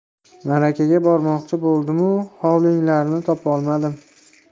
marakada bormoqchi bo'ldimu hovlinglarni topolmadim